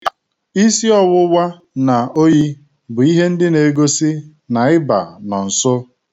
Isiọwụwa na oyi bụ ihe na-egosi na ịba nọ nso.